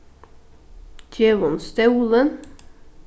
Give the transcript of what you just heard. gev honum stólin